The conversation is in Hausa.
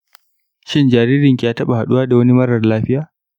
shin jaririnki ya taba haduwa da wani marar lafiya?